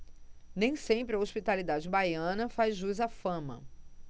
nem sempre a hospitalidade baiana faz jus à fama